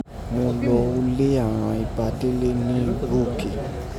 Mo lọ ulé àghan iba Délé ni ìlú òkè.